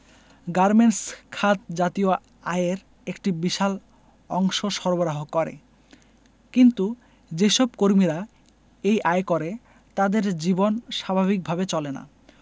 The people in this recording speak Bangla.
গার্মেন্টস খাত জাতীয় আয়ের একটি বিশাল অংশ সরবারহ করে কিন্তু যেসব কর্মীরা এই আয় করে তাদের জীবন স্বাভাবিক ভাবে চলে না